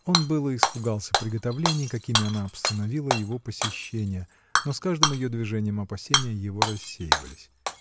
Он было испугался приготовлений, какими она обстановила его посещение, но с каждым ее движением опасения его рассеивались.